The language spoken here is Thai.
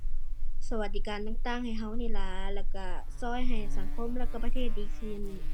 สวัสดิการต่างต่างให้เรานี่ล่ะ แล้วเราเราให้สังคมแล้วเราประเทศดีขึ้น